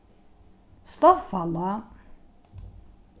stoffalág